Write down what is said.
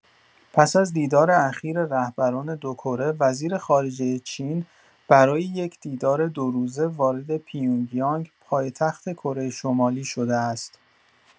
پس از دیدار اخیر رهبران دو کره، وزیرخارجه چین برای یک دیدار دوروزه وارد پیونگ‌یانگ، پایتخت کره‌شمالی شده است.